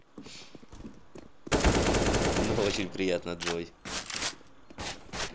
ну очень приятно джой